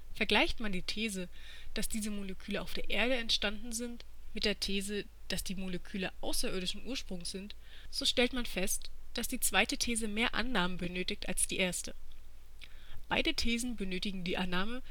Vergleicht man die These, dass diese Moleküle auf der Erde entstanden sind, mit der These, dass diese Moleküle außerirdischen Ursprungs sind, so stellt man fest, dass die zweite These mehr Annahmen benötigt als die erste. Beide Thesen benötigen die Annahme